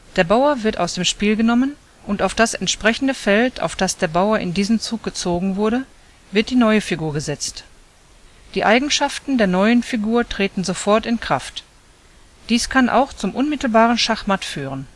Der Bauer wird aus dem Spiel genommen, und auf das entsprechende Feld, auf das der Bauer in diesem Zug gezogen wurde, wird die neue Figur gesetzt. Die Eigenschaften der neuen Figur treten sofort in Kraft, dies kann auch zum unmittelbaren Schachmatt führen